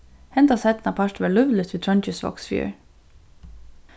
henda seinnapart var lívligt við trongisvágsfjørð